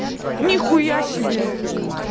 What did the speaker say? нихуя себе